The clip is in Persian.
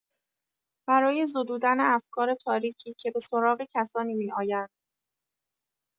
برای زدودن افکار تاریکی که به سراغ کسانی می‌آیند